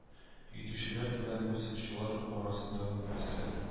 Итүчеләр белән буйсынучылар арасындагы мөнәсәбәт